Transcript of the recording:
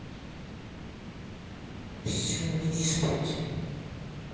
все иди спать